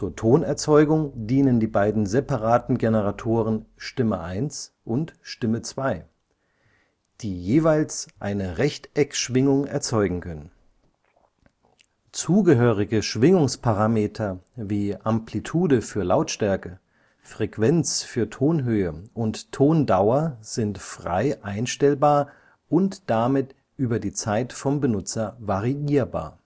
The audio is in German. Tonerzeugung dienen die beiden separaten Generatoren „ Stimme 1 “und „ Stimme 2 “, die jeweils eine Rechteckschwingung erzeugen können. Zugehörige Schwingungsparameter wie Amplitude (Lautstärke), Frequenz (Tonhöhe) und Tondauer sind frei einstell - und damit über die Zeit vom Benutzer variierbar